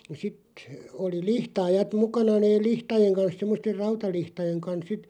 ja sitten oli lihtaajat mukana ne lihtojen kanssa semmoisten rautalihtojen kanssa sitten